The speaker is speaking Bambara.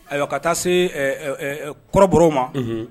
Ka taa se kɔrɔɔr ma